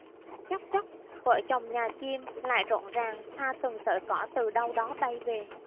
chốc chốc vợ chồng nhà chim lại rộn ràng tha từng sợi cỏ từ đâu đó bay về